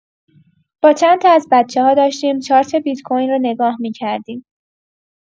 با چندتا از بچه‌ها داشتیم چارت بیت‌کوین رو نگاه می‌کردیم.